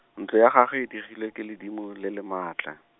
ntlo ya gagwe e digilwe ke ledimo le le maatla.